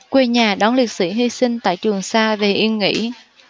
quê nhà đón liệt sĩ hi sinh tại trường sa về yên nghỉ